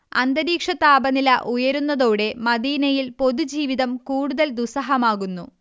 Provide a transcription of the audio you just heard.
അന്തരീക്ഷതാപനില ഉയരുന്നതോടെ മദീനയിൽ പൊതുജീവിതം കുടുതൽ ദുസ്സഹമാകുന്നു